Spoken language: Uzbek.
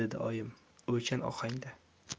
dedi oyim o'ychan ohangda